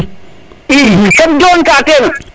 i kem doon ka ten